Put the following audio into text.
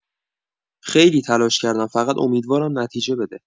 خیلی تلاش کردم فقط امیدوارم نتیجه بده